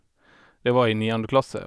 Det var i niendeklasse.